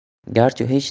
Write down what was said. garchi u hech